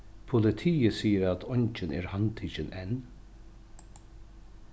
politiið sigur at eingin er handtikin enn